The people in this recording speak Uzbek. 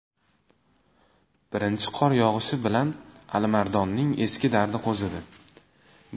birinchi qor yog'ishi bilan alimardonning eski dardi qo'zidi